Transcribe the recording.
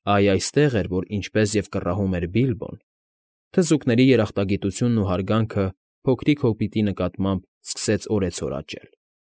Այ այստեղ էր, որ, ինչպես և կռահում էր Բիլբոն, թզուկների երախտագիտությունն ու հարգանքը փոքրիկ հոբիտի նկատմամբ սկսեց օրեցօր աճել։